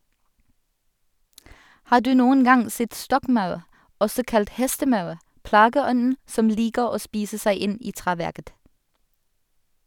Har du noen gang sett stokkmaur, også kalt hestemaur, plageånden som liker å spise seg inn i treverket?